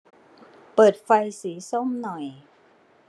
เปิดไฟสีส้มหน่อย